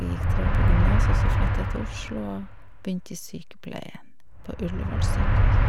Jeg gikk tre år på gymnas, og så flytta jeg til Oslo og begynte i sykepleien på Ullevål sykehus.